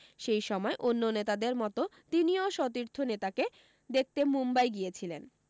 সেই সময় অন্য নেতাদের মতো তিনিও সতীর্থ নেতাকে দেখতে মুম্বাই গিয়েছিলেন